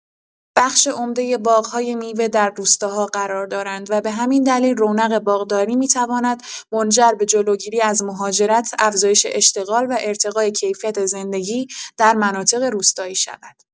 بخش عمده باغ‌های میوه در روستاها قرار دارند و به همین دلیل رونق باغداری می‌تواند منجر به جلوگیری از مهاجرت، افزایش اشتغال و ارتقای کیفیت زندگی در مناطق روستایی شود.